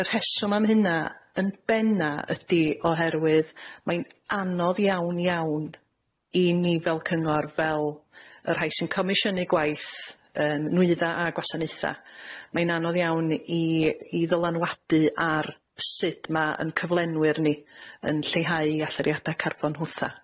Y rheswm am hynna yn benna ydi oherwydd ma' 'i'n anodd iawn iawn i ni fel cyngor, fel y rhai sy'n comisiynu gwaith, yn nwyddau a gwasanaetha, ma' 'i'n anodd iawn i i ddylanwadu ar sud ma' 'yn cyflenwyr ni yn lleihau 'u allyriada carbon nhwtha.